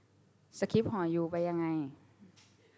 สคิปหอยูไปยังไง